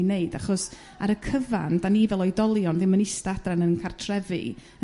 'i wneud achos ar y cyfan da' ni fel oedolion ddim yn ista' adra yn 'yn cartrefi